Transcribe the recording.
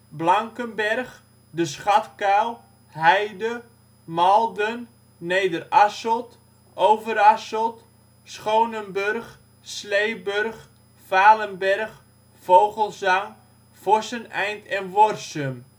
Blankenberg, De Schatkuil, Heide, Malden (gemeentehuis), Nederasselt, Overasselt, Schoonenburg, Sleeburg, Valenberg, Vogelzang, Vosseneind en Worsum